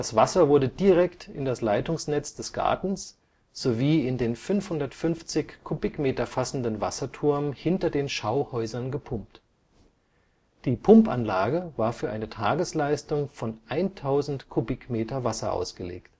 Wasser wurde direkt in das Leitungsnetz des Gartens sowie in den 550 m³ fassenden Wasserturm hinter den Schauhäusern gepumpt. Die Pumpanlage war für eine Tagesleistung von 1000 m³ Wasser ausgelegt